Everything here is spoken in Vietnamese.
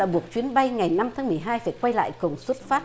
đã buộc chuyến bay ngày năm tháng mười hai phải quay lại cổng xuất phát